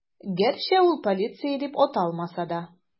Гәрчә ул полиция дип аталмаса да.